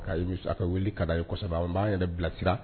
K' ka wuli ka a ye n b'a yɛrɛ bilasira